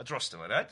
A drosto fo, reit?